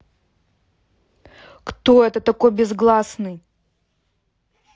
кто это такой безгласный